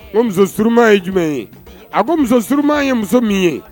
O musouruuma ye jumɛn ye a ko muso suruuma ye muso min ye